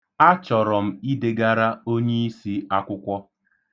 Achọrọ m idegara onyiisi akwụkwọ.